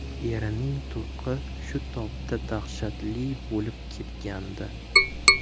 erining turqi shu topda dahshatli bo'iib ketgandi